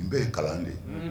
N bɛɛ ye kalan de ye